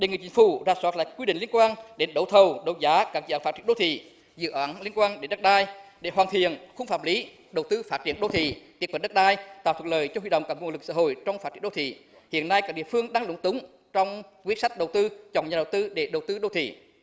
đề nghị chính phủ rà soát lại quy định liên quan đến đấu thầu đấu giá các dự án phát triển đô thị dự án liên quan đến đất đai để hoàn thiện khung pháp lý đầu tư phát triển đô thị thì phần đất đai tạo thuận lợi cho huy động các nguồn lực xã hội trong phát triển đô thị hiện nay các địa phương đang lúng túng trong quyết sách đầu tư chọn nhà đầu tư để đầu tư đô thị